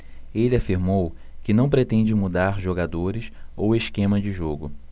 ele afirmou que não pretende mudar jogadores ou esquema de jogo